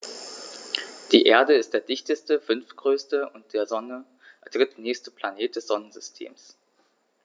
Die Erde ist der dichteste, fünftgrößte und der Sonne drittnächste Planet des Sonnensystems.